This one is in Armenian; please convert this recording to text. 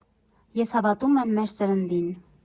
Ես հավատում եմ մեր սերնդին։